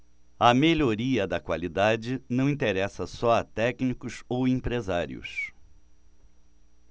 a melhoria da qualidade não interessa só a técnicos ou empresários